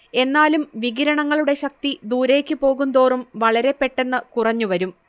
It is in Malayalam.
എന്നാലും വികിരണങ്ങളുടെ ശക്തി ദൂരേയ്ക്ക് പോകുന്തോറും വളരെപ്പെട്ടെന്ന് കുറഞ്ഞുവരും